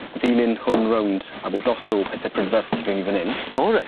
Ddilyn hwn rownd a bydd lot o pethe prydferth tu fewn i fyn 'yn. O reit.